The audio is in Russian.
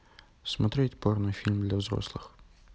смотреть порно фильм для взрослых